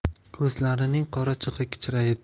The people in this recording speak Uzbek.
ko'zlarining qorachig'i kichrayib